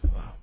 waaw